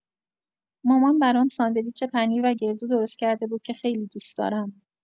مامان برام ساندویچ پنیر و گردو درست کرده بود که خیلی دوست دارم.